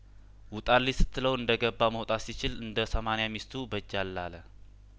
ውጣልኝ ስትለው እንደገባ መውጣት ሲችል እንደ ሰማንያ ሚስቱ በጅ አልል አለ